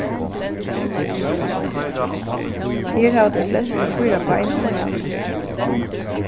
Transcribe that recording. her hava tey flestu fýra bein og hala